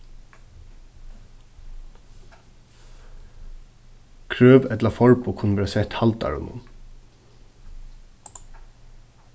krøv ella forboð kunnu verða sett haldarunum